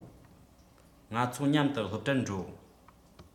ང ཚོ མཉམ དུ སློབ གྲྭར འགྲོ